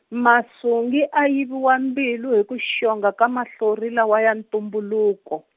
Masungi a yiviwa mbilu hi ku xonga ka mahlori lawa ya ntumbuluko.